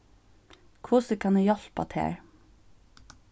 hvussu kann eg hjálpa tær